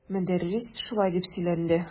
Мөдәррис шулай дип сөйләнде.